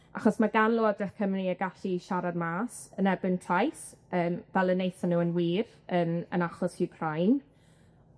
achos ma' gan Lywodraeth Cymru y gallu i siarad mas yn erbyn trais, yym fel y naethon nw yn wir, yn yn achos Wcrain